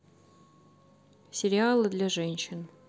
сериалы для женщин